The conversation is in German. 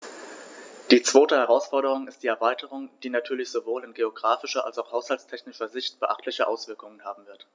Die zweite Herausforderung ist die Erweiterung, die natürlich sowohl in geographischer als auch haushaltstechnischer Sicht beachtliche Auswirkungen haben wird.